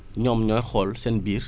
ñoom ñooy xool seen biir